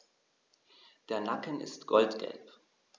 Der Nacken ist goldgelb.